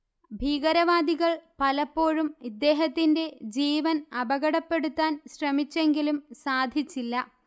ഭീകരവാദികൾ പലപ്പോഴും ഇദ്ദേഹത്തിന്റെ ജീവൻ അപകടപ്പെടുത്താൻ ശ്രമിച്ചെങ്കിലും സാധിച്ചില്ല